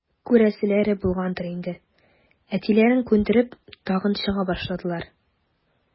Күрәселәре булгандыр инде, әтиләрен күндереп, тагын чыга башладылар.